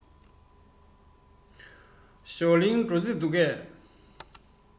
ཞའོ ལིའི འགྲོ རྩིས འདུག གས